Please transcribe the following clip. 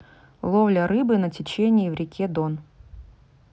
ловля рыбы на течении в реке дон